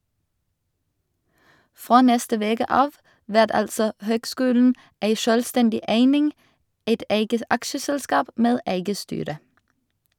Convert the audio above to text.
Frå neste veke av vert altså høgskulen ei sjølvstendig eining, eit eige aksjeselskap med eige styre.